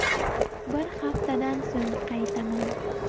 bir haftadan so'ng qaytaman